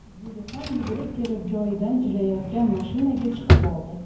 zelixon yugurib kelib joyidan jilayotgan mashinaga chiqib oldi